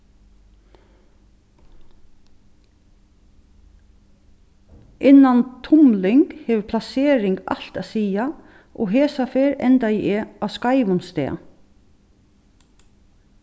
innan tumling hevur plasering alt at siga og hesa ferð endaði eg á skeivum stað